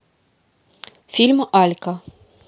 фильм алька